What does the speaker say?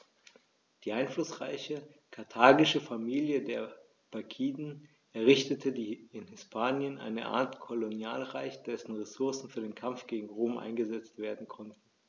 Die einflussreiche karthagische Familie der Barkiden errichtete in Hispanien eine Art Kolonialreich, dessen Ressourcen für den Kampf gegen Rom eingesetzt werden konnten.